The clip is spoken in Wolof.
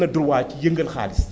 am na droit ci yëngal xaalis